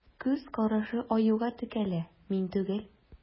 Күз карашы Аюга текәлә: мин түгел.